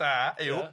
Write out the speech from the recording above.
Da yw. Ia.